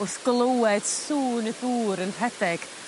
wrth glywed sŵn y dŵr yn rhedeg